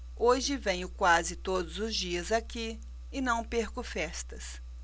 hoje venho quase todos os dias aqui e não perco festas